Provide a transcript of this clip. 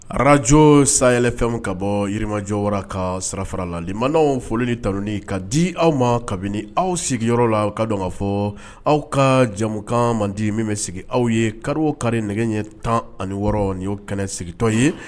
Rajo sanyfɛnw ka bɔ yirimajɔ wara ka sarafara lali ma foli taununi ka di aw ma kabini aw sigiyɔrɔyɔrɔ la ka dɔn kaa fɔ aw ka jamukan man di min bɛ sigi aw ye ka ka nɛgɛ ye tan ani wɔɔrɔ ni o kɛnɛsigitɔ ye